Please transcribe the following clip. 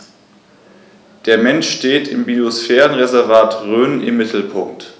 Der Mensch steht im Biosphärenreservat Rhön im Mittelpunkt.